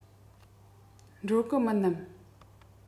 འགྲོ གི མིན ནམ